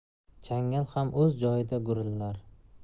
changal ham o'z joyida gurillar